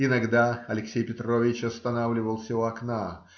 Иногда Алексей Петрович останавливался у окна